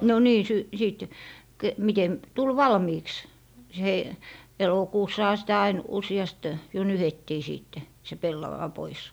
no niin - sitten - miten tuli valmiiksi -- elokuussahan sitä aina useasti jo nyhdettiin sitten se pellava pois